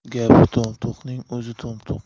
gapi to'mtoqning o'zi to'mtoq